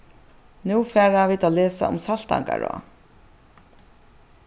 nú fara vit at lesa um saltangará